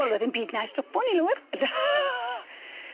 Wel o'dd ddim byd 'na i stopo ni lawyr.